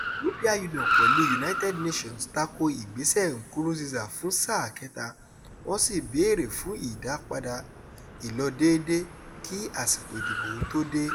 European Union pẹ̀lú United Nations tako ìgbésẹ̀ Nkurunziza fún sáà kẹ́ta, wọ́n sì béèrè fún ìdápadà ìlọdéédé kí àsìkò ìdìbò ó tó dé.